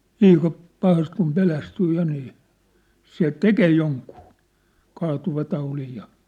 liika pahasti kun pelästyy ja niin se tekee jonkun kaatuvataudin ja